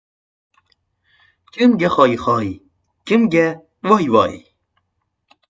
kimga hoy hoy kimga voy voy